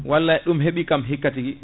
wallay ɗum heɓi kam hikka tigui